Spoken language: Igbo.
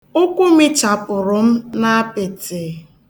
Ụkwụ mịchapụrụ m na apịtị.